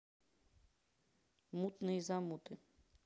мутные замуты